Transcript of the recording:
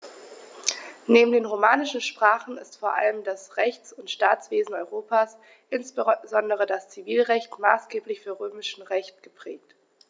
Neben den romanischen Sprachen ist vor allem das Rechts- und Staatswesen Europas, insbesondere das Zivilrecht, maßgeblich vom Römischen Recht geprägt.